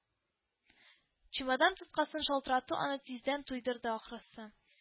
Чемодан тоткасын шалтырату аны тиздән туйдырды, ахрысы